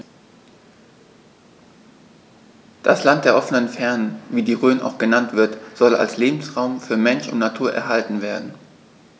Das „Land der offenen Fernen“, wie die Rhön auch genannt wird, soll als Lebensraum für Mensch und Natur erhalten werden.